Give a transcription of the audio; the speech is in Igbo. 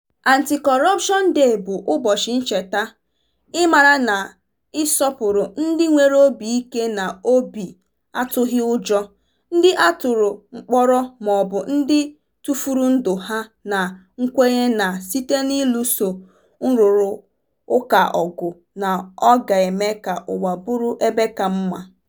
Anti-Corruption Day bụ ụbọchị ncheta, ịmara na ịsopụrụ ndị nwere obi ike na obi atụghị ụjọ, ndị a tụrụ mkpọrọ maọbụ ndị tufuru ndụ ha na nkwenye na site n'iluso nrụrụaka ọgụ, na ọ ga-eme ka ụwa bụrụ ebe ka mma.